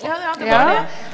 ja ja det var det.